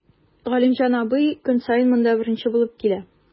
Галимҗан абый көн саен монда беренче булып килә.